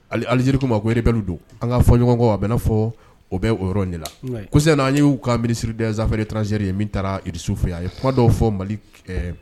Ali aliz ma ko bɛ don an ka fɔ ɲɔgɔn a bɛ fɔ o bɛ o yɔrɔ ne la kosan n y'u ka miirisiriridzaferi tranzeri ye min taarasufu a ye ko dɔw fɔ mali